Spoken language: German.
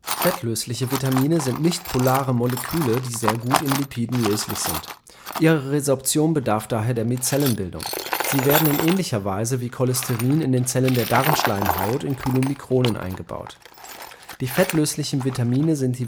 Fettlösliche Vitamine sind nichtpolare Moleküle, die sehr gut in Lipiden löslich sind. Ihre Resorption bedarf daher der Mizellenbildung. Sie werden in ähnlicher Weise wie Cholesterin in den Zellen der Darmschleimhaut in Chylomikronen eingebaut. Die fettlöslichen Vitamine sind